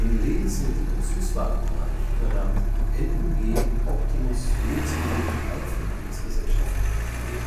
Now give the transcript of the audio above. Lebensmittel - und Süßwaren-Bereich übernahm die „ NUG Optimus Lebensmittel-Einzelhandelsgesellschaft mbH